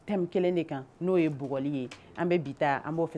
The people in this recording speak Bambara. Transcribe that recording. N'o ye bli ye an bɛ bi taa an b'o fɛ